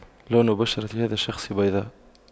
لون بشرة هذا الشخص بيضاء